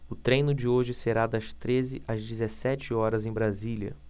o treino de hoje será das treze às dezessete horas em brasília